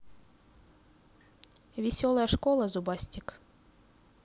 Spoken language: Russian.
веселая школа зубастик